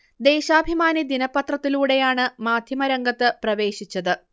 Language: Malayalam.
ദേശാഭിമാനി ദിനപത്രത്തിലൂടെയാണു് മാധ്യമ രംഗത്ത് പ്രവേശിച്ചത്